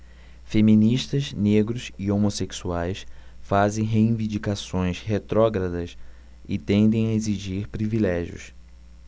feministas negros e homossexuais fazem reivindicações retrógradas e tendem a exigir privilégios